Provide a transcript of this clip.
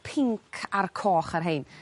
pinc a'r coch ar rhein.